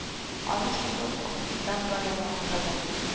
Аның шундук аңсыздан бер аягы аксады